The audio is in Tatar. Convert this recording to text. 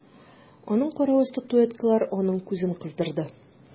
Аның каравы статуэткалар аның күзен кыздырды.